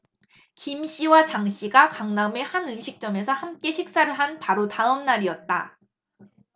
김 씨와 장 씨가 강남의 한 음식점에서 함께 식사를 한 바로 다음 날이었다